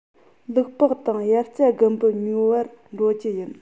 ལུག པགས དང དབྱར རྩྭ དགུན འབུ ཉོ བར འགྲོ རྒྱུ ཡིན